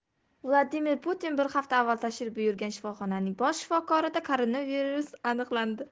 vladimir putin bir hafta avval tashrif buyurgan shifoxonaning bosh shifokorida koronavirus aniqlandi